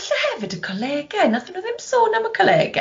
Falle hefyd y colege, wnaethon nhw ddim sôn am y colege,